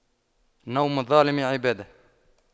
نوم الظالم عبادة